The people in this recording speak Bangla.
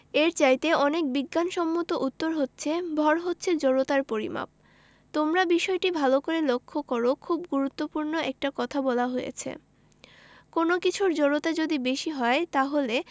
এর চাইতে অনেক বিজ্ঞানসম্মত উত্তর হচ্ছে ভর হচ্ছে জড়তার পরিমাপ তোমরা বিষয়টা ভালো করে লক্ষ করো খুব গুরুত্বপূর্ণ একটা কথা বলা হয়েছে কোনো কিছুর জড়তা যদি বেশি হয় তাহলে